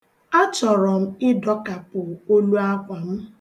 A chọrọ m ịdọkapụ oluakwa m